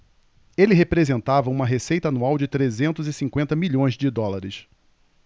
ele representava uma receita anual de trezentos e cinquenta milhões de dólares